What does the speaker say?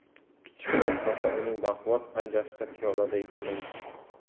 kichikroq kosa uning baquvvat panjasida piyoladay ko'rindi